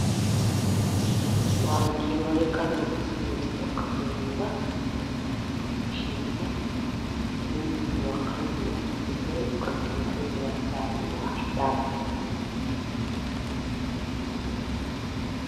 Saddex tarmuus ayaa halkaan iiga muuqato